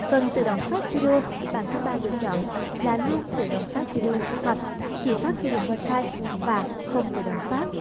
phần tự động phát video bạn có lựa chọn là luôn tự động phát video hoặc chỉ phát khi dùng wifi và không tự động phát